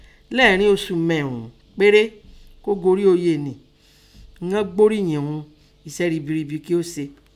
Lẹ́ẹ̀ẹ́rin osù mẹ́ẹ̀rún ún péré kó gorí oyè nẹ ìn ọ́n gboríyìn hún ẹsẹ́ ribribi kí ọ́n se.